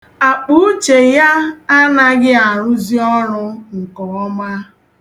Akpuuche ya anaghị arụzị ọrụ nke ọma.